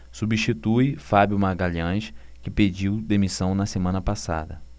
substitui fábio magalhães que pediu demissão na semana passada